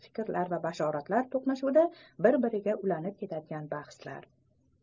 fikrlar va bashoratlar to'qnashuvida bir biriga ulanib ketadigan bahslar